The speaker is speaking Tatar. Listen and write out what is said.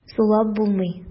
Сулап булмый.